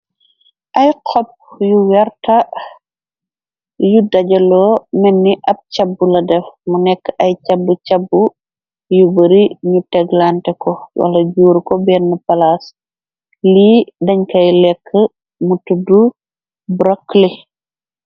Ay xop yu werta yu dajaloo menni ab càbbu la def mu nekke ay cabb cabb yu bari ñu teglante ko wala juur ko benn palaas lii dañ kay lekka mu tuddu brokly.